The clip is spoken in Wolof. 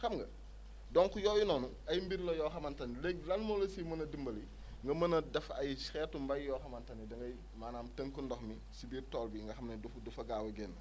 xam nga donc yooyu noonu ay mbir la yoo xamante ne léegi lan moo la siy mën a dimbali nga mën a def ay xeetu mbéy yoo xamante ne da ngay maanaam tënk ndox mi si biir tool bi nga xam ne du fa du fa gaaw a génn